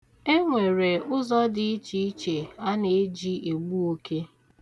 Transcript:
E nwere ụzọ dị ichiiche a na-eji egbu oke.